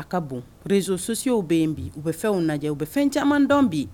A ka bon réseau sociaux be yen bi, u be fɛnw lajɛ u bɛ fɛn caman dɔn bi.